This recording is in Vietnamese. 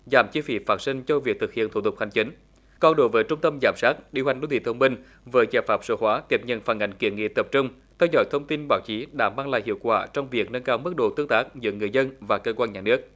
giảm chi phí phát sinh cho việc thực hiện thủ tục hành chính còn đối với trung tâm giám sát điều hành đô thị thông minh với giải pháp số hóa tiếp nhận phản ánh kiến nghị tập trung theo dõi thông tin báo chí đã mang lại hiệu quả trong việc nâng cao mức độ tương tác giữa người dân và cơ quan nhà nước